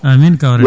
amine kawren